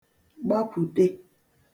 gbakwùṭe